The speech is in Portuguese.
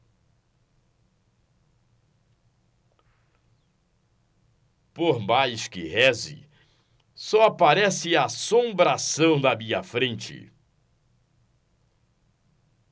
por mais que reze só aparece assombração na minha frente